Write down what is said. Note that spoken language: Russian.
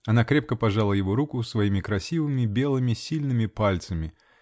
Она крепко пожала его руку своими красивыми, белыми, сильными пальцами.